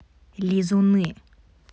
лизуны